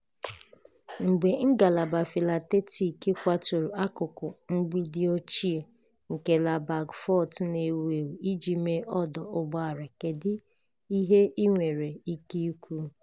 Mgbe ngalaba philatetiiki kwaturu akụkụ mgbidi ochie nke Lalbagh Fort na-ewu ewu iji mee ọdọ ụgbọala, kedu ihe i nwere ike ikwu?